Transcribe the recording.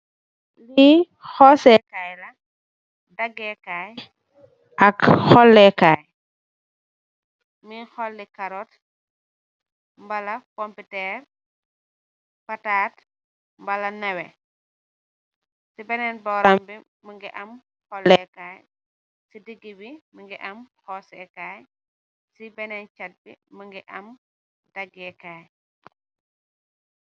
Li i xoosekaay la daggeekaay ak xolleekaay mi xolli karot mbala pomputeer, pataat mbala newe ci beneen booram bi më ngi am xolekaay ci diggi bi mingi am xoosekaay ci beneen chat bi mu ngi am daggeekaay.